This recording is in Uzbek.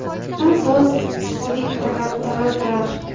shirin so'z o'likni ham tiriltirar